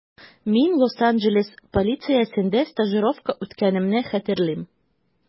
Мин Лос-Анджелес полициясендә стажировка үткәнемне хәтерлим.